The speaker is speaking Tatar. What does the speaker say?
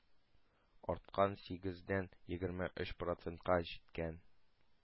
Арткан: сигездән егерме өч процентка җиткән.